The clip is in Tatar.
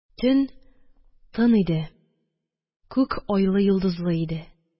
Төн тын иде, күк айлы-йолдызлы иде